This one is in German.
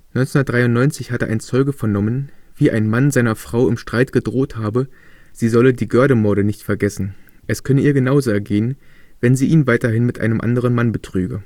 1993 hatte ein Zeuge vernommen, wie ein Mann seiner Frau im Streit gedroht habe, sie solle die Göhrde-Morde nicht vergessen, es könne ihr genauso ergehen, wenn sie ihn weiterhin mit einem anderen Mann betrüge